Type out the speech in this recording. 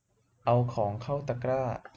เอาของเข้าตะกร้า